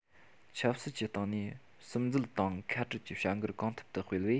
ཆབ སྲིད ཀྱི སྟེང ནས སིམ འཛུལ དང ཁ བྲལ གྱི བྱ འགུལ གང ཐུབ ཏུ སྤེལ བས